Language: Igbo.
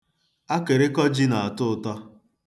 Akịrịkọ ji na-atọ ụtọ.